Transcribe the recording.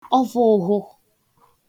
ọvụụhụ̄